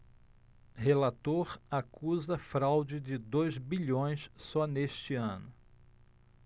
relator acusa fraude de dois bilhões só neste ano